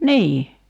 niin